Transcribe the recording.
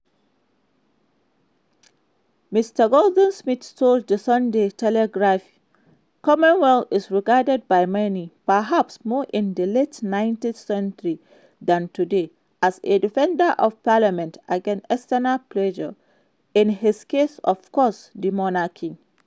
Mr Goldsmith told The Sunday Telegraph: "Cromwell is regarded by many, perhaps more in the late 19th century than today, as a defender of parliament against external pressure, in his case of course the monarchy.